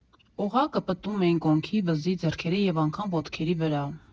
Օղակը պտտում էին կոնքի, վզի, ձեռքերի և անգամ ոտքերի վրա։